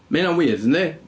Mae hynna'n weird, yndi?